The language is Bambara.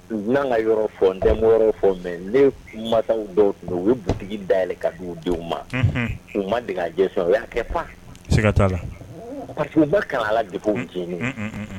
N tɛ n'an ka yɔrɔ fɔ, n tɛ n bɔ yɔrɔ fɔ mais ne masaw dɔw tun bɛ ye u ye butigi dayɛlɛn ka d'u denw ma, unhun, u ma dege a gestion na u y'a kɛ pa! sika t'a la parce que u ma kala a la depuis u ficiini.un un